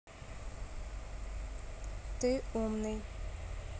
ты умный